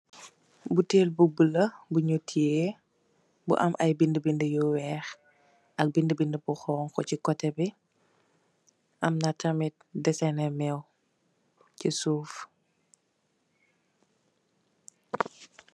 Butehll bu bleu bu nju tiyeh, bu am aiiy bindu bindu yu wekh ak bindu bindu bu khonhu chi coteh bii, amna tamit dehsehneh mew chi suff.